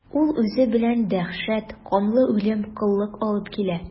Ул үзе белән дәһшәт, канлы үлем, коллык алып килә.